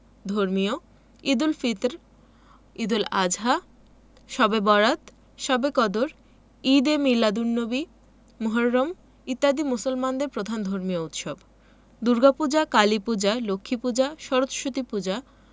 ধর্মীয় ঈদুল ফিত্ র ঈদুল আযহা শবে বরআত শবে কদর ঈদে মীলাদুননবী মুহররম ইত্যাদি মুসলমানদের প্রধান ধর্মীয় উৎসব দুর্গাপূজা কালীপূজা লক্ষ্মীপূজা সরস্বতীপূজা